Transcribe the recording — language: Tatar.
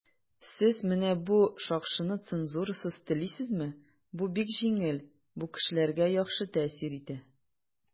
"сез менә бу шакшыны цензурасыз телисезме?" - бу бик җиңел, бу кешеләргә яхшы тәэсир итә.